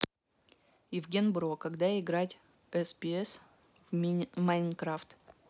евген бро когда играть в scp в minecraft